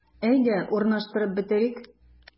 Әйдә, урнаштырып бетерик.